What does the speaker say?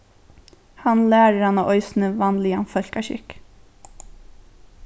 hann lærir hana eisini vanligan fólkaskikk